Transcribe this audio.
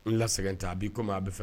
N la sɛgɛn ta b'i ko maa a bɛ fɛ